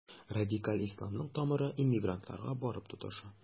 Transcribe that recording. Радикаль исламның тамыры иммигрантларга барып тоташа.